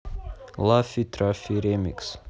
лафи трафи ремикс